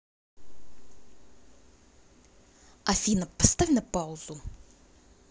афина поставь на паузу